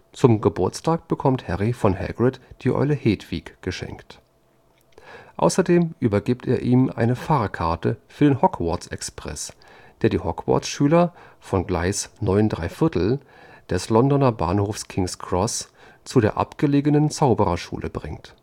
Zum Geburtstag bekommt Harry von Hagrid die Eule Hedwig geschenkt. Außerdem übergibt er ihm eine Fahrkarte für den Hogwarts-Express, der die Hogwarts-Schüler von Gleis 9 ¾ des Londoner Bahnhofs King’ s Cross zu der abgelegenen Zauberschule bringt